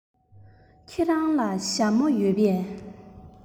ཁྱེད རང ལ ཞྭ མོ ཡོད པས